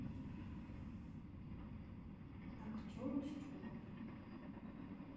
актер устюгов